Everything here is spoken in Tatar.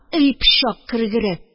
Әй, пычак кергере